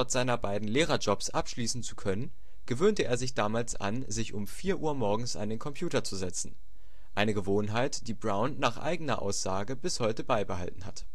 seiner beiden Lehrerjobs abschließen zu können, gewöhnte er sich damals an, sich um vier Uhr morgens an den Computer zu setzen – eine Gewohnheit, die Brown nach eigener Aussage bis heute beibehalten hat